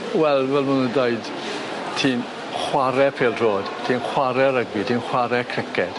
Wel fel ma' nw'n deud ti'n chware pêl-drod ti'n chware rygbi ti'n chware criced.